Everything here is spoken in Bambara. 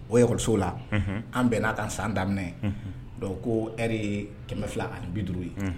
O yɔrɔoloso la an bɛn n'a ka san daminɛ ko e ye kɛmɛ fila ani bi duuru ye